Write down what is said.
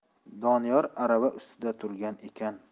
doniyor arava ustida turgan ekan